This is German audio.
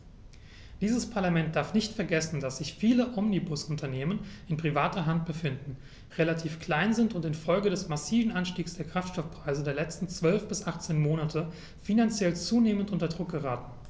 Dieses Parlament darf nicht vergessen, dass sich viele Omnibusunternehmen in privater Hand befinden, relativ klein sind und in Folge des massiven Anstiegs der Kraftstoffpreise der letzten 12 bis 18 Monate finanziell zunehmend unter Druck geraten.